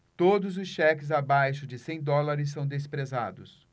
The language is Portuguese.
todos os cheques abaixo de cem dólares são desprezados